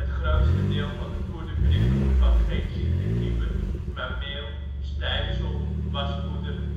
grootste deel van de poederbrieven bevat geen ziektekiemen, maar meel, stijfsel, waspoeder